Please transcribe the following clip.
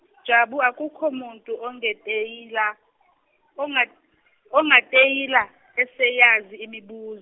Jabu akukho muntu ongafeyila onga- ongafeyila eseyazi imibu-.